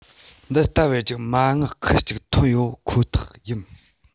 འདི ལྟ བུའི རྒྱུག མ དངུལ ཁག གཅིག ཐོན ཡོད ཁོ ཐག ཡིན